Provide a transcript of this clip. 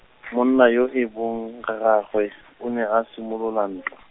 monna yo e bong rraagwe, o ne a simolola ntwa.